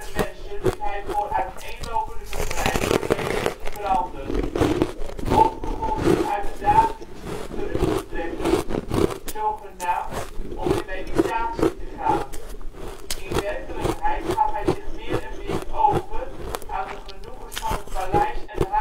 mensen liet hij voor uiteenlopende vergrijpen levend verbranden. Hong begon zich uit het dagelijks bestuur terug te trekken, zogenaamd om in meditatie te gaan. In werkelijkheid gaf hij zich meer en meer over aan de genoegens van het paleis - en haremleven